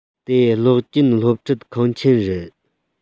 དེ གློག ཅན སློབ ཁྲིད ཁང ཆེན རེད